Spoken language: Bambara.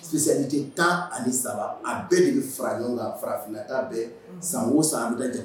tan ani saba a bɛɛ de fara ɲɔgɔn kan farafinna ta bɛɛ san o san bɛ o bi